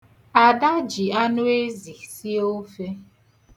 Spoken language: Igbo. Ada ji anụezi sie ofe.